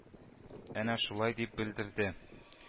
Әнә шулай дип белдерде